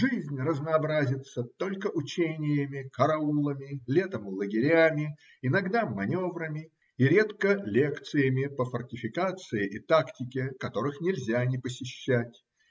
Жизнь разнообразится только учениями, караулами, летом лагерями, иногда маневрами и редко лекциями по фортификации и тактике, которых нельзя не посещать.